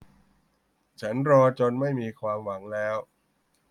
ฉันรอจนไม่มีความหวังแล้ว